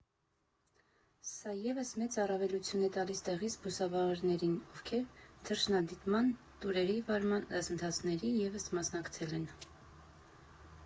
Սա ևս մեծ առավելություն է տալիս տեղի զբոսավարներին, ովքեր թռչնադիտման տուրերի վարման դասընթացների ևս մասնակցել են։